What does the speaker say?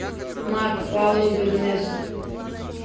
марк палыч бернес